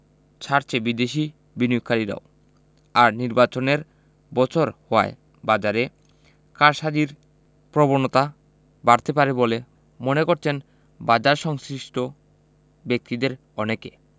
ছাড়ছে বিদেশি বিনিয়োগকারীরাও আর নির্বাচনের বছর হওয়ায় বাজারে কারসাজির প্রবণতা বাড়তে পারে বলে মনে করছেন বাজারসংশ্লিষ্ট ব্যক্তিদের অনেকে